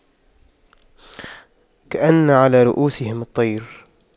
كأن على رءوسهم الطير